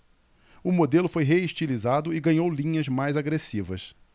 o modelo foi reestilizado e ganhou linhas mais agressivas